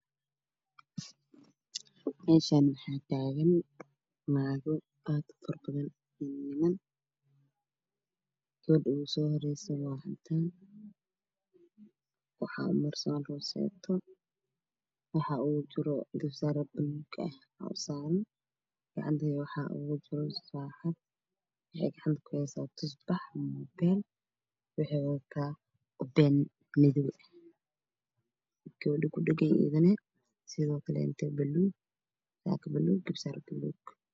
Meshan waxa tigan naago Aad ufarabadan iyo niman gabadha ugsohoreyso waa cadan waxa umarsan rosetto waxa ugajiro garbasabalugah ausaran gacanta waxa ugajira sacad waxey gacata kuheysaa tusbaxiyo mobel waxey wadata obenemadow eh gabadhakudhegan iyadana sidokale sakobalug garbasarbalu